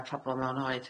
y pobol mewn oed.